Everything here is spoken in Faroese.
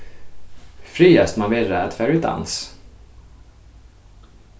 frægast man vera at fara í dans